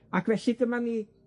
Ac felly dyma ni.